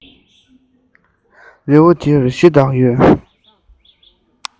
རི བོ འདིར གཞི བདག ཡོད